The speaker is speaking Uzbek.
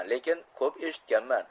lekin ko'p eshitganman